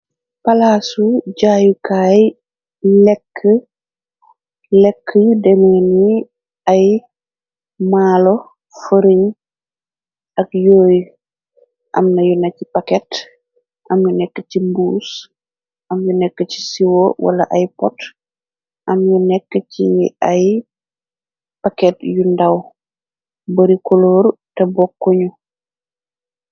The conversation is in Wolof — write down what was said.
Palaasu jaayukaay lekk yi demoni ay maalo fëriñ ak yooy am na yu na ci paket am yu nekk ci mbuus am yu nekk ci siwo wala ay pot am yu nekk ci ay paket yu ndaw bari koloor te bokku ñu.